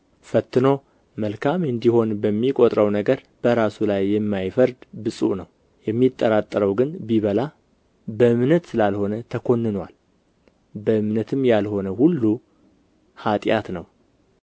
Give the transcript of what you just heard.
ፈትኖ መልካም እንዲሆን በሚቈጥረው ነገር በራሱ ላይ የማይፈርድ ብፁዕ ነው የሚጠራጠረው ግን ቢበላ በእምነት ስላልሆነ ተኮንኖአል በእምነትም ያልሆነ ሁሉ ኃጢአት ነው